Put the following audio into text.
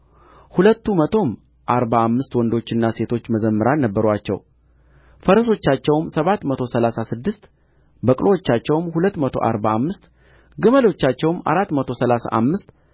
ሁለቱ መቶም አርባ አምስት ወንዶችና ሴቶች መዘምራን ነበሩአቸው ፈረሶቻቸውም ሰባት መቶ ሠላሳ ስድስት በቅሎቻቸውም ሁለት መቶ አርባ አምስት ግመሎቻቸውም አራት መቶ ሠላሳ አምስት